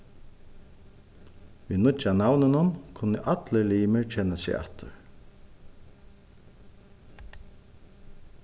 við nýggja navninum kunnu allir limir kenna seg aftur